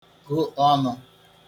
gụ ọnụ̄